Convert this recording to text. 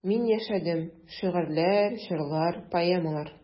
Мин яшәдем: шигырьләр, җырлар, поэмалар.